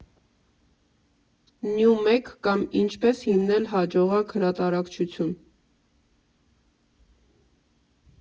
Նյումեգ կամ ինչպե՞ս հիմնել հաջողակ հրատարակչություն։